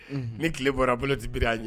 Ni tileb bɔra bolo dibir'a ɲɛ